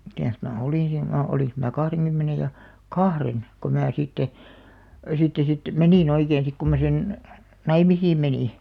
mitäs minä olin siinä minä olinko minä kahdenkymmenen ja kahden kun minä sitten sitten siitä menin oikein sitten kun minä sen naimisiin menin